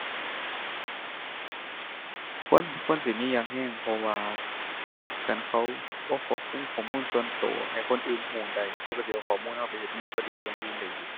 ควร ควรสิมีอย่างแรง เพราะว่า คันเขาบ่ควบคุมข้อมูลส่วนแรง ให้คนอื่นแรงได้ เขาแรงสิเอาข้อมูลแรงไปเฮ็ดแนวบ่ดีอย่างอื่นได้อีก